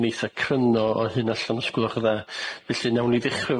yn eitha cryno o hyn allan os gwelwch yn dda felly nawn ni ddechre